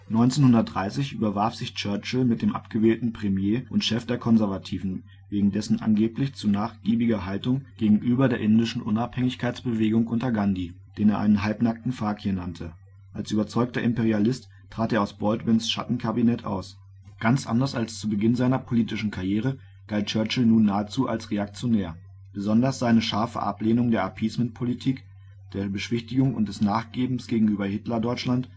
1930 überwarf sich Churchill mit dem abgewählten Premier und Chef der Konservativen wegen dessen angeblich zu nachgiebiger Haltung gegenüber der indischen Unabhängigkeitsbewegung unter Gandhi, den er einen halbnackten Fakir nannte. Als überzeugter Imperialist trat er aus Baldwins Schattenkabinett aus. Ganz anders als zu Beginn seiner politischen Karriere galt Churchill nun nahezu als Reaktionär. Besonders seine scharfe Ablehnung der Appeasementpolitik, der Beschwichtigung und des Nachgebens gegenüber Hitler-Deutschland